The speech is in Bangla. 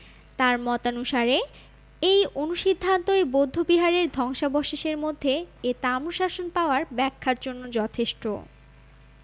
তাঁর মতানুসারে এই অনুসিদ্ধান্তই বৌদ্ধ বিহারের ধ্বংসাবশেষের মধ্যে এ তাম্রশাসন পাওয়ার ব্যাখ্যার জন্য যথেষ্ট